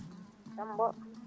jaam ɓoolo